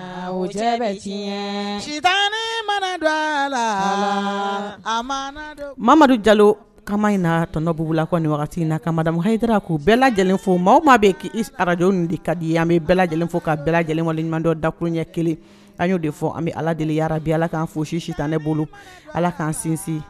Tiɲɛta ma don la a mamadu jalo kama in na tɔnɔ b la ko nin wagati na kamada ma hayi ko bɛɛ lajɛlen fo maa maa bɛ k' araj de ka di an bɛ bɛɛ lajɛlen fo ka bɛɛ lajɛlenwaleɲumandɔ daurun ɲɛ kelen ta y'o de fɔ an bɛ ala deli yarabi ala ka fo si sitan ne bolo ala k'an sinsin